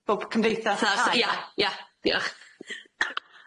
bob cymdeithas a cae?.. Ia, ia. Diolch.